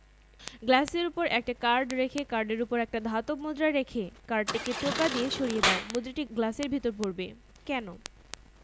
সেটাকে সহজে বিচ্যুত করা যায় কিংবা অন্যভাবে বলা যায় ভর কম হলে জড়তার প্রভাবটা তুলনামূলকভাবে কম হয়